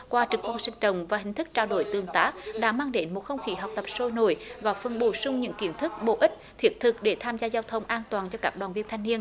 qua trực quan sinh động và hình thức trao đổi tương tác đã mang đến một không khí học tập sôi nổi và phần bổ sung những kiến thức bổ ích thiết thực để tham gia giao thông an toàn cho các đoàn viên thanh niên